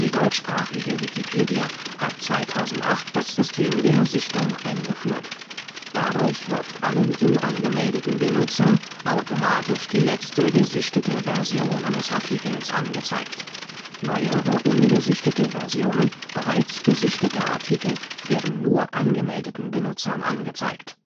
deutschsprachige Wikipedia hat 2008 das System der Sichtung eingeführt. Dadurch wird allen unangemeldeten Benutzern automatisch die letzte gesichtete Version eines Artikels angezeigt. Neuere ungesichtete Versionen bereits gesichteter Artikel werden nur angemeldeten Benutzern angezeigt